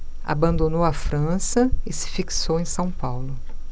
abandonou a frança e se fixou em são paulo